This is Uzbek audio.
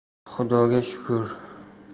xudoga shukur